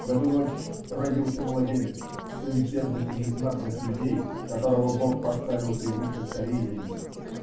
В эту ночь родился младенец, сын бедных и незнатных людей, которого Бог поставил превыше царей земных.